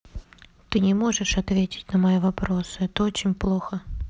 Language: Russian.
ты не можешь ответить на мои вопросы это очень плохо